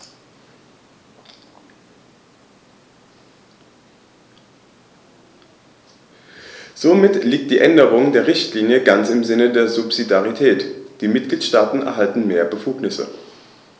Somit liegt die Änderung der Richtlinie ganz im Sinne der Subsidiarität; die Mitgliedstaaten erhalten mehr Befugnisse.